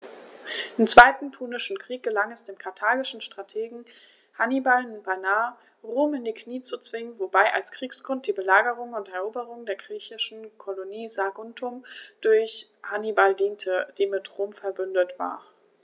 Im Zweiten Punischen Krieg gelang es dem karthagischen Strategen Hannibal beinahe, Rom in die Knie zu zwingen, wobei als Kriegsgrund die Belagerung und Eroberung der griechischen Kolonie Saguntum durch Hannibal diente, die mit Rom „verbündet“ war.